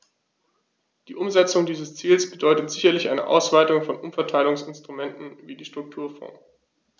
Die Umsetzung dieses Ziels bedeutet sicherlich eine Ausweitung von Umverteilungsinstrumenten wie die Strukturfonds.